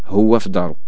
هو فدارو